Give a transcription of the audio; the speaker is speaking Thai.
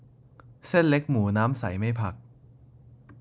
เส้นเล็กหมูน้ำใสไม่ผัก